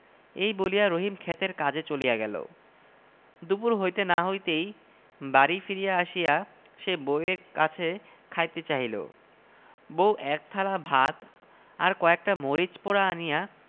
গ্রামদেশে একটি শোলমাছের দাম বড়জোর আট আনা এক টাকা পাইয়া জেলে মনের খুশীতে বাড়ি ফিরিল সে এ পুকুরে জাল ফেলে ও পুকুরে জাল ফেলে